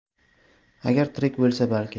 agar tirik bo'lsa balki